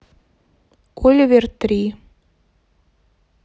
оливер три